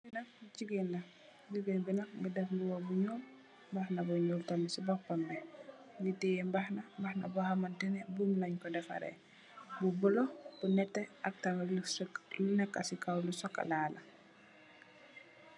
Ki nak jigéen la, jigéen bi nak mungi def mbuba bu ñuul, mbahana bu ñuul tamit ci boppam bi. Mungi tè mbahana, mbahana bo hamantene buum leen ko def fareh, bu bulo, bu netè ak tamit lu sug. Lu nekka ci kaw lu sokola la.